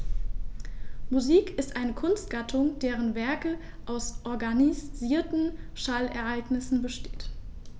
Musik ist eine Kunstgattung, deren Werke aus organisierten Schallereignissen bestehen.